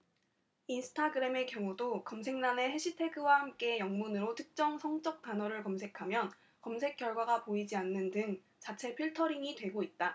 인스타그램의 경우도 검색란에 해시태그와 함께 영문으로 특정 성적 단어를 검색하면 검색 결과가 보이지 않는 등 자체 필터링이 되고 있다